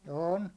on